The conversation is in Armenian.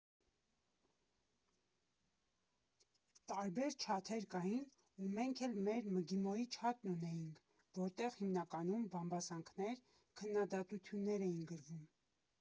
Տարբեր չաթեր կային ու մենք էլ մեր ՄԳԻՄՈ֊ի չաթն ունեինք, որտեղ հիմնականում բամբասանքներ, քննադատություններ էին գրվում։